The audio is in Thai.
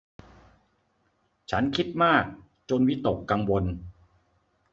ฉันคิดมากจนวิตกกังวล